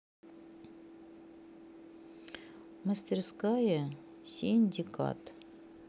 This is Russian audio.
мастерская синдикат